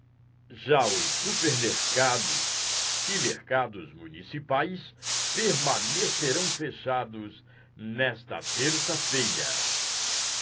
já os supermercados e mercados municipais permanecerão fechados nesta terça-feira